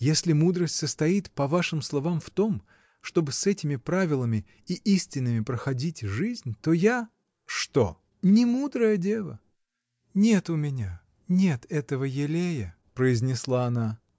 Если мудрость состоит, по вашим словам, в том, чтоб с этими правилами и истинами проходить жизнь, то я. — Что? — Не мудрая дева! Нет — у меня нет этого елея! — произнесла она.